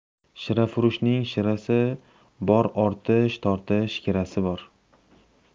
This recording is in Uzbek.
shirafurushning shirasi bor ortish tortish kirasi bor